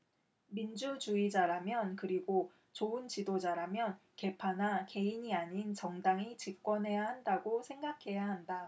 민주주의자라면 그리고 좋은 지도자라면 계파나 개인이 아닌 정당이 집권해야 한다고 생각해야 한다